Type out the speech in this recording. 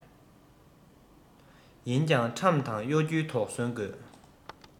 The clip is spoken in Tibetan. ཡིན ཀྱང ཁྲམ དང གཡོ སྒྱུར དོགས ཟོན དགོས